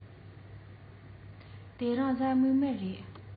དེ རིང གཟའ མིག དམར རེད